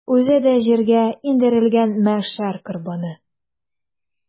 Үзе дә җиргә иңдерелгән мәхшәр корбаны.